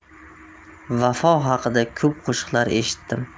vafo haqida ko'p qo'shiqlar eshitdim